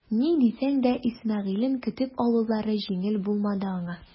Ни дисәң дә Исмәгыйлен көтеп алулары җиңел булмады аңа.